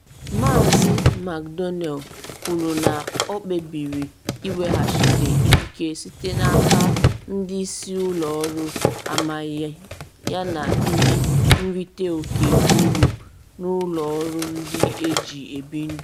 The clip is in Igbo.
Mazị McDonnell kwuru na o kpebiri iweghachite ikike site na n’aka ndị ‘isi ụlọ ọrụ amaghị’ yana “ndị nrite oke uru’ n’ụlọ ọrụ ndị eji ebi ndụ.